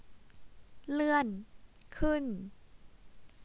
เลื่อนขึ้น